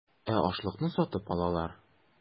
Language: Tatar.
Ә ашлыкны сатып алалар.